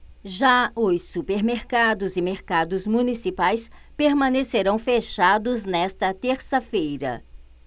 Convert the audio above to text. já os supermercados e mercados municipais permanecerão fechados nesta terça-feira